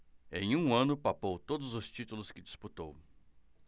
em um ano papou todos os títulos que disputou